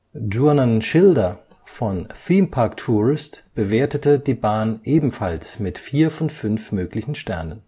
Jurnan Schilder von Theme Park Tourist bewertete die Bahn ebenfalls mit vier von fünf möglichen Sternen